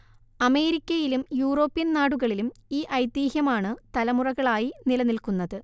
അമേരിക്കയിലും യൂറോപ്യൻ നാടുകളിലും ഈ ഐതിഹ്യമാണ് തലമുറകളായി നിലനിൽക്കുന്നത്